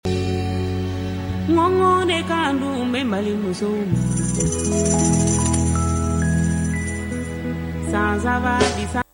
Nunnu de kan dun be Mali musow ma san 3 bi sa